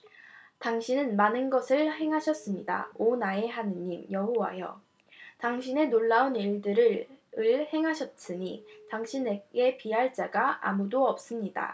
당신은 많은 것을 행하셨습니다 오 나의 하느님 여호와여 당신의 놀라운 일들 을 행하셨으니 당신에게 비할 자가 아무도 없습니다